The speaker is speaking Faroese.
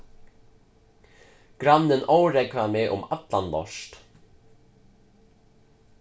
grannin órógvar meg um allan lort